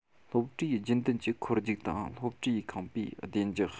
སློབ གྲྭའི རྒྱུན ལྡན གྱི འཁོར རྒྱུག དང སློབ གྲྭའི ཁང པའི བདེ འཇགས